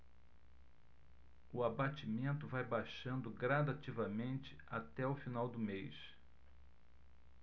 o abatimento vai baixando gradativamente até o final do mês